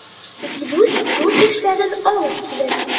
Гелүс дус-ишләрен алып килер.